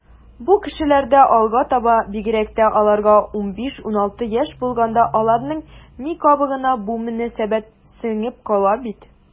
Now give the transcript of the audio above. Бу кешеләрдә алга таба, бигрәк тә аларга 15-16 яшь булганда, аларның ми кабыгына бу мөнәсәбәт сеңеп кала бит.